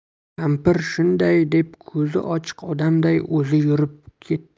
kampir shunday deb ko'zi ochiq odamday o'zi yurib ket